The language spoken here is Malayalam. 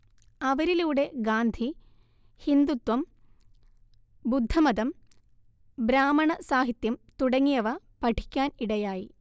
അവരിലുടെ ഗാന്ധി ഹിന്ദുത്വം ബുദ്ധമതം ബ്രാഹ്മണ സാഹിത്യം തുടങ്ങിയവ പഠിക്കാൻ ഇടയായി